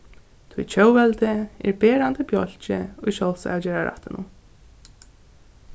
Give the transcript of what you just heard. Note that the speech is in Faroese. tí tjóðveldið er berandi bjálki í sjálvsavgerðarrættinum